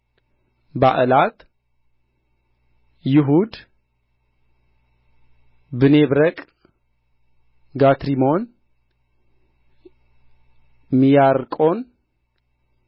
ባዕላት ይሁድ ብኔብረቅ ጋትሪሞን ሜያርቆን